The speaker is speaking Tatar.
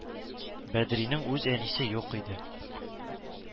Бәдринең үз әнисе юк иде